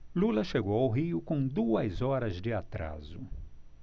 lula chegou ao rio com duas horas de atraso